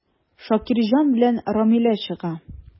Шакирҗан белән Рамилә чыга.